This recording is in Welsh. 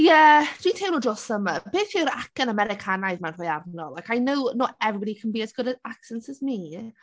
Ie dwi'n teimlo dros Summer. Beth yw'r acen Americanaidd mae'n rhoi arno? Like I know not everybody can be as good at accents as me...